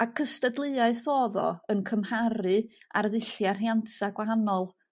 A cystadleuaeth odd o yn cymharu arddulliau rhianta gwahanol.